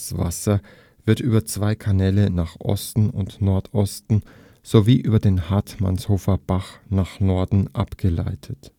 Wasser wird über zwei Kanäle nach Osten und Nordosten sowie über den Hartmannshofer Bach nach Norden abgeleitet